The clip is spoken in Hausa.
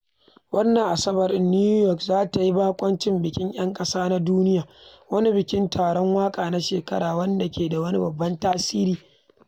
Wannan Asabar New York za ta yi baƙwancin Bikin 'Yan Ƙasa na Duniya, wani bikin taron waƙa na shekara wanda ke da wani babban tasiri da zai jero taurari da za su yi wani mishan mai ban sha'awa shi ma; na kawo ƙarshen talauci.